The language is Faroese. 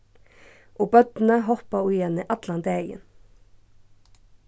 og børnini hoppa í henni allan dagin